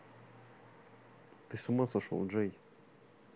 ты с ума сошел джей